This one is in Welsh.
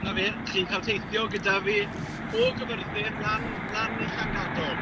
'Na fe, chi'n cael teithio gyda fi o Gaerfyrddin lan lan i Llangadog.